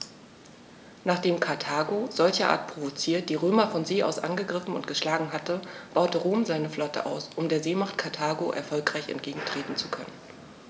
Nachdem Karthago, solcherart provoziert, die Römer von See aus angegriffen und geschlagen hatte, baute Rom seine Flotte aus, um der Seemacht Karthago erfolgreich entgegentreten zu können.